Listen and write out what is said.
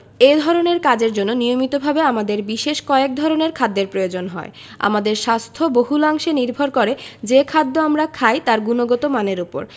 এ ধরনের কাজের জন্য নিয়মিতভাবে আমাদের বিশেষ কয়েক ধরনের খাদ্যের প্রয়োজন হয় আমাদের স্বাস্থ্য বহুলাংশে নির্ভর করে যে খাদ্য আমরা খাই তার গুণগত মানের ওপর